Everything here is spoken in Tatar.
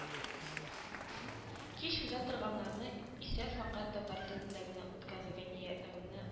Кич уза торганнарны исә фәкать татар телендә генә үткәрергә ниятләүне